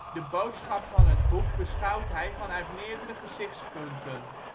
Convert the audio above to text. De boodschap van het boek beschouwt hij vanuit meerdere gezichtspunten. Adele